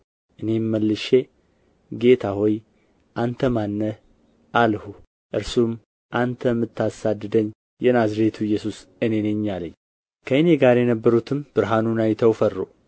እኔም መልሼ ጌታ ሆይ አንተ ማን ነህ አልሁ እርሱም አንተ የምታሳድደኝ የናዝሬቱ ኢየሱስ እኔ ነኝ አለኝ ከእኔ ጋር የነበሩትም ብርሃኑን አይተው ፈሩ